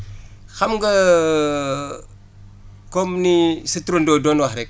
xam nga comme ni sa turandoo doon wax rek